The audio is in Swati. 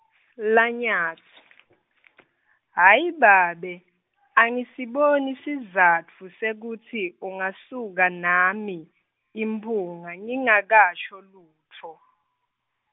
LaNyat- , hhayi babe , angisiboni sizatfu sekutsi ungasuka nami, imphunga, ngingakasho lutfo.